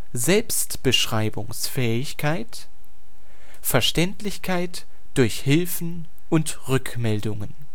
Selbstbeschreibungsfähigkeit – Verständlichkeit durch Hilfen / Rückmeldungen